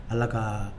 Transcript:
Ala ka